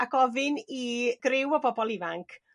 a gofyn i griw o bobol ifanc